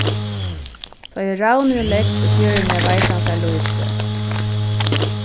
tá ið ravnurin legst í fjøruna veit hann sær lítið